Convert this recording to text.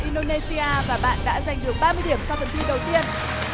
in đô nê xi a và bạn đã giành được ba mươi điểm trong phần thi đầu tiên